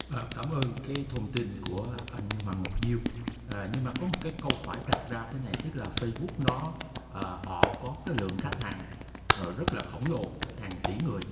à cám ơn cái thông tin của anh hoàng ngọc diêu à nhưng mà có một cái câu hỏi đặt ra thế này tức là phây búc nó ờ họ có khối lượng khách hàng rất là khổng lồ hàng tỷ người